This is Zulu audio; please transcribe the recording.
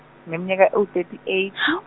ngineminyaka ewu- thirty eight .